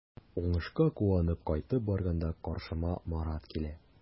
Уңышка куанып кайтып барганда каршыма Марат килә.